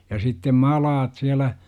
ja sitten maalattia siellä